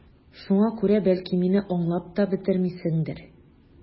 Шуңа күрә, бәлки, мине аңлап та бетермисеңдер...